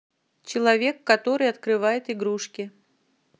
человек который открывает игрушки